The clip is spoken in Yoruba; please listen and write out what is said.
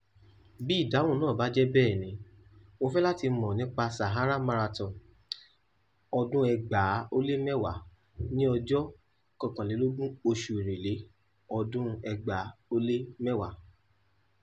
Bí ìdáhùn náà bá jẹ́ 'bẹ́ẹ̀ni', o máa fẹ́ láti mọ̀ nípa Sahara Marathon 2010 ní ọjọ́ 22 oṣù Èrèlé, ọdún 2010.